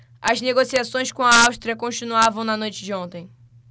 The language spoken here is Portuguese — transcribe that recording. as negociações com a áustria continuavam na noite de ontem